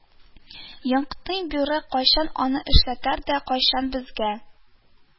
Ектный бюро кайчан аны эшләттерә дә, кайчан безгә